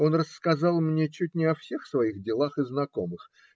Он рассказал мне чуть не о всех своих делах и знакомых.